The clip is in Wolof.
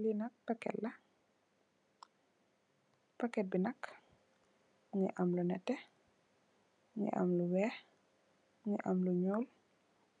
Lee nak packete la packete be nak muge am lu neteh muge am lu weex muge am lu nuul